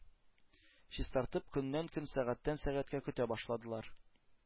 Чистартып көннән-көн, сәгатьтән-сәгатькә көтә башладылар,